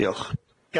Diolch.